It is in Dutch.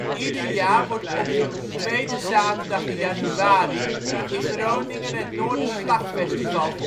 Ieder jaar wordt op de tweede zaterdag in januari in Groningen het Noorderslag-festival